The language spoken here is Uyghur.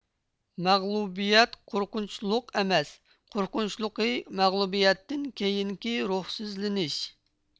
مەغلۇبىيەت قورقۇنچلۇق ئەمەس قورقۇنچلۇقى مەغلۇبىيەتتىن كېيىنكى روھسىزلىنىش